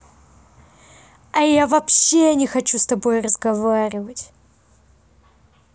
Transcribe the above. а я вообще не хочу с тобой разговаривать